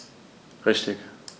Richtig